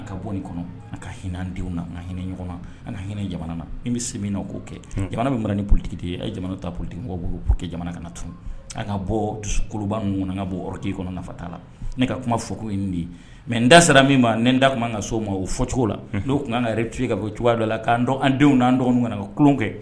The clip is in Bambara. Ka bɔ an ka hinɛ denw hinɛ ɲɔgɔn an ka hinɛ jamana na n bɛ se min k'o kɛ jamana min mana politigiden ye ye jamana ta politigi mɔgɔ' bɛo kɛ jamana ka na tun ka bɔ koloba n ka bɔ k'i kɔnɔ nafata la ne ka kuma fko ye de ye mɛ n da sera min ma n n da tun ka so o ma o fɔcogo la n'o kun an ka yɛrɛ to ka bɔ cogoya dɔ la k'an an denw n'an nana ka tulon kɛ